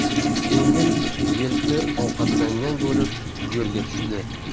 yengil elpi ovqatlangan bo'lib yo'lga tushdi